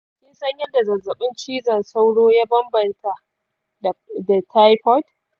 kinsan yanda zazzaɓin cizon sauro ya banbanta da taifoid?